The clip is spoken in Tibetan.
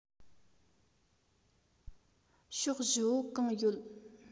ཕྱོགས བཞི བོ གང ཡོད